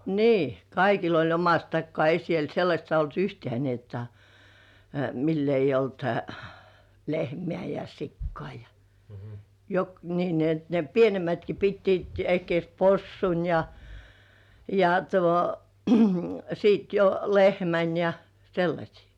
niin kaikilla oli omasta takaa ei siellä sellaista ollut yhtään niin jotta millä ei ollut lehmää ja sikaa ja - niin niin että ne pienemmätkin pitivät ehkiedes possun ja ja tuon sitten jo lehmän ja sellaisia